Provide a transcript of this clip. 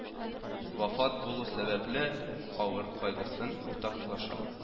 Вафат булу сәбәпле, авыр кайгысын уртаклаша